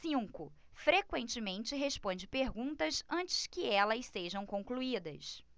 cinco frequentemente responde perguntas antes que elas sejam concluídas